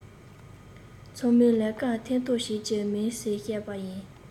ཚང མའི ལས ཀར ཐེ གཏོགས བྱེད ཀྱི མིན ཟེར བཤད པ ཡིན